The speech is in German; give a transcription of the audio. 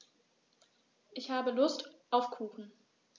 Ich habe Lust auf Kuchen.